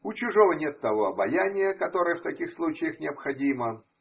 – у чужого нет того обаяния, которое в таких случаях необходимо.